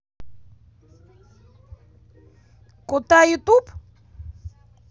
кота ютуб